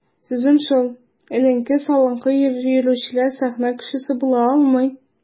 Сүзем шул: эленке-салынкы йөрүчеләр сәхнә кешесе була алмый.